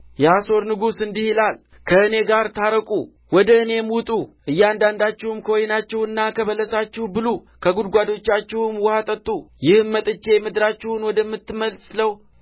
የአሦር ንጉሥ እንዲህ ይላል ከእኔ ጋር ታረቁ ወደ እኔም ውጡ እያንዳንዳችሁም ከወይናችሁና ከበለሳችሁ ብሉ ከጕድጓዳችሁም ውኃ ጠጡ ይህም መጥቼ ምድራችሁን ወደምትመስለው